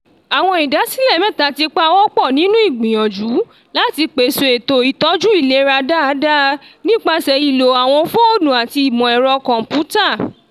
Àwọn ìdásílẹ̀ mẹ́ta ti pawọ́ pọ̀ nínú ìgbìyànjú láti pèsè ètò ìtọ́jú ìlera dáadáa nípasẹ̀ ìlò àwọn fóònù àti ìmọ̀-ẹ̀rọ kọ̀m̀pútà.